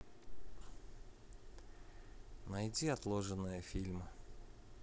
найди отложенные фильмы